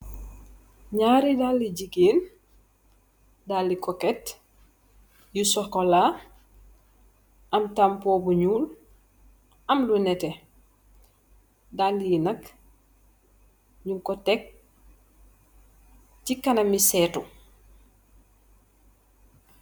Nyarri daluh gigeen dalli kuket yu chocola am tamit ku nyull am lu neteh li nak nyung ku tek si kanami setu